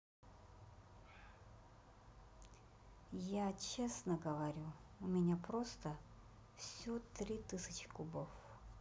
я честно говорю у меня просто все три тысячи кубов